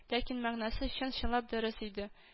Ләкин мәгънәсе чын-чынлап дөрес иде